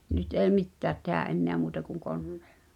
nyt ei mitään tehdä enää muuta kuin koneilla